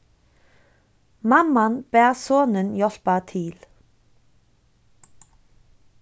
mamman bað sonin hjálpa til